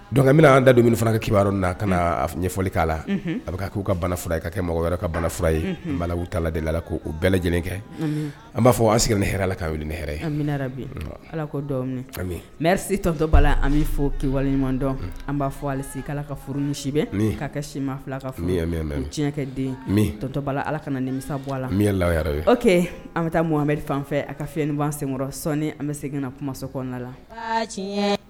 Dɔnke min anan da dumuni fana ka kibaruya na a kana ɲɛfɔli k'a la a bɛ k'u ka balaf ka kɛ mɔgɔ wɛrɛ ka balafura ye bala taa dela la' u bɛɛ lajɛlen kɛ an b'a fɔ an ne hɛrɛ la ka ni hɛrɛ anmina bi ala ko nesi tɔtɔ bala la an bɛ fɔ kibawaleɲuman dɔn an b'a fɔ' ka furusibɛ k'a ka sima fila ka tiɲɛkɛtɔ ala ka nimisa bɔ la lake an bɛ taa muhari fan an ka fɛn senkɔrɔ sɔni an bɛ seginna na kumaso kɔnɔna la tiɲɛ